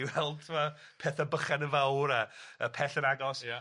i weld ti'bod petha bychan yn fawr a yy pell yn agos... ia...